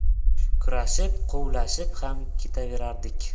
kurashib quvlashib ham ketaverardik